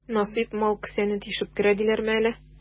Насыйп мал кесәне тишеп керә диләрме әле?